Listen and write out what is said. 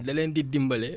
da leen di dimbale